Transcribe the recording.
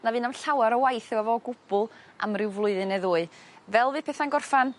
na fu na'm llawar o waith iddo fo o gwbwl am ryw flwyddyn neu ddwy fel fydd petha'n gorffan